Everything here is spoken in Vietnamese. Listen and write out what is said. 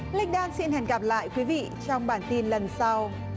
linh đan xin hẹn gặp lại quý vị trong bản tin lần sau